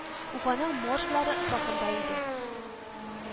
Уфаның моржлары сафында иде